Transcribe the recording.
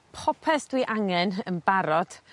popeth dwi angen yn barod